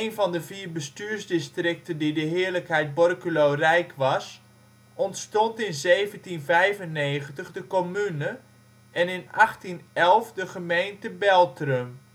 van de vier bestuursdistricten die de heerlijkheid Borculo rijk was, ontstond in 1795 de commune, en in 1811 de gemeente Beltrum